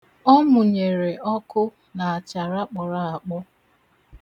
Ọ munyere ọkụ n'achara kpọrọ akpọ.